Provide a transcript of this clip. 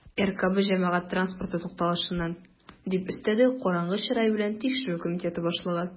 "ркб җәмәгать транспорты тукталышыннан", - дип өстәде караңгы чырай белән тикшерү комитеты башлыгы.